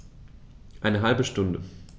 Eine halbe Stunde